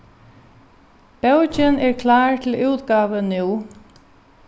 bókin er klár til útgávu nú